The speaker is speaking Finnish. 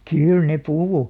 kyllä ne puhui